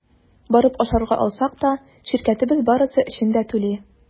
Барып ашарга алсак та – ширкәтебез барысы өчен дә түли.